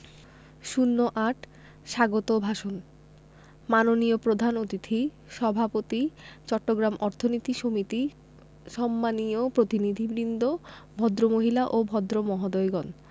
০৮ স্বাগত ভাষণ মাননীয় প্রধান অতিথি সভাপতি চট্টগ্রাম অর্থনীতি সমিতি সম্মানীয় প্রতিনিধিবৃন্দ ভদ্রমহিলা ও ভদ্রমহোদয়গণ